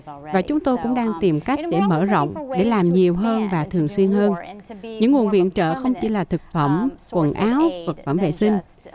và chúng tôi cũng đang tìm cách để mở rộng để làm nhiều hơn và thường xuyên hơn những nguồn viện trợ không chỉ là thực phẩm quần áo thực phẩm vệ sinh